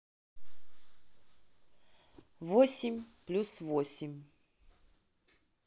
восемь плюс восемь